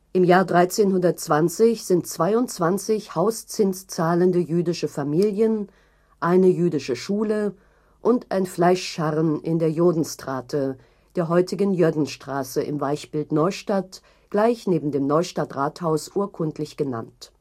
Im Jahr 1320 sind 22 hauszinszahlende jüdische Familien, eine jüdische Schule und ein Fleischscharren in der Jodhen strate, der heutigen Jöddenstraße, im Weichbild Neustadt, gleich neben dem Neustadtrathaus urkundlich genannt